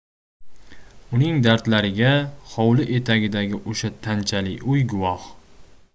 uning dardlariga hovli etagidagi o'sha tanchali uy guvoh